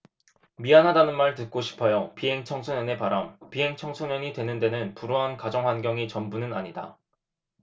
미안하다는 말 듣고 싶어요 비행청소년의 바람 비행청소년이 되는 데는 불우한 가정환경이 전부는 아니다